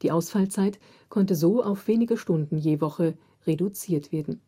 Ausfallzeit konnte so auf wenige Stunden je Woche reduziert werden